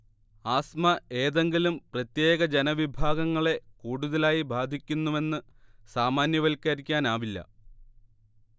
asthma ഏതെങ്കിലും പ്രത്യേക ജനവിഭാഗങ്ങളെ കൂടുതലായി ബാധിക്കുന്നുവെന്ന് സാമാന്യവൽക്കരിക്കാനാവില്ല